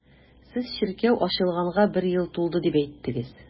Сез чиркәү ачылганга бер ел тулды дип әйттегез.